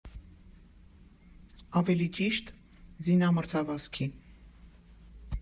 Ավելի ճիշտ՝ զինամրցավազքի։